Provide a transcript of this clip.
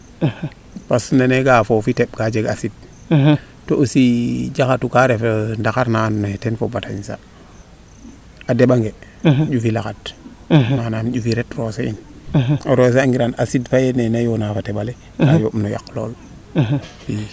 parce que neno o ga'a foofi teɓ kaa jeg asib to aussi jaxatu kaa ref ndaxar na ando naye den fo batañsa a deɓange ƴufi laxad manaam ƴufi ret roose in o roose andi ran acide feene na yoona fo a teɓale ka yomb no yaq lool